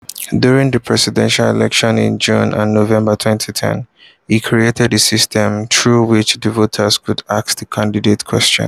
During the presidential elections in June and November 2010, he created a system through which the voters could ask the candidates questions.